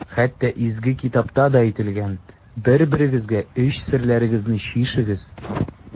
Хәтта Изге китапта да әйтелгән: «Бер-берегезгә эч серләрегезне чишегез».